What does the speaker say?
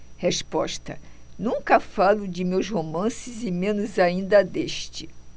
resposta nunca falo de meus romances e menos ainda deste